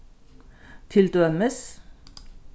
til dømis